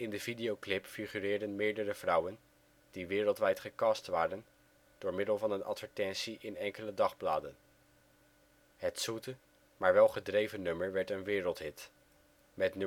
de videoclip figureren meerdere vrouwen, die wereldwijd gecast waren door middel van een advertentie in enkele dagbladen. Het zoete, maar wel gedreven nummer werd een wereldhit, met